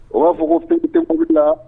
O b'a fɔ ko